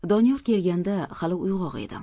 doniyor kelganda hali uyg'oq edim